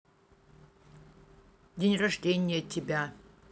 день рождения тебя